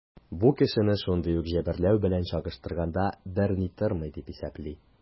Бу кешене шундый ук җәберләү белән чагыштырганда берни тормый, дип исәпли.